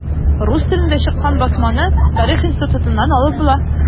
Рус телендә чыккан басманы Тарих институтыннан алып була.